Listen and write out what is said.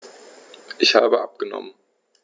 Ich habe abgenommen.